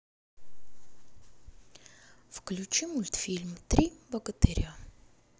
включи мультфильм три богатыря